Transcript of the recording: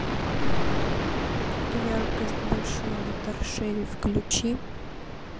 яркость большую на торшере включи